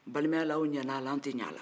balimaya la aw ɲɛna anw tɛ ɲɛ a la